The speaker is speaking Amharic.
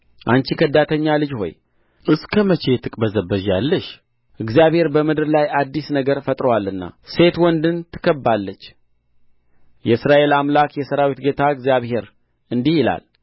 አንቺ ከዳተኛ ልጅ ሆይ እስከ መቼ ትቅበዘበዣለሽ እግዚአብሔር በምድር ላይ አዲስ ነገር ፈጥሮአልና ሴት ወንድን ትከብባለች የእስራኤል አምላክ የሠርዊት ጌታ እግዚአብሔር እንዲህ ይላል